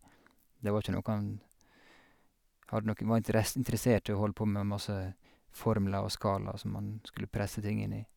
Det var ikke noe han hadde noe var interess interessert i å holde på med masse formler og skalaer som han skulle presse ting inn i.